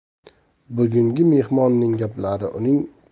bugungi mehmonning gaplari uning